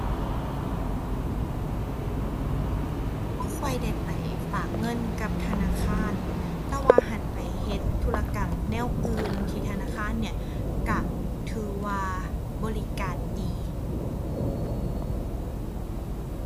บ่ค่อยได้ไปฝากเงินกับธนาคาร แต่ว่าหั้นไปเฮ็ดธุรกรรมแนวอื่นที่ธนาคารเนี่ยก็ถือว่าบริการดี